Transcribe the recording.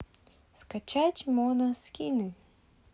скачать моно скины